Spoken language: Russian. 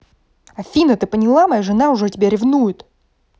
афина ты поняла моя жена уже тебя ревнует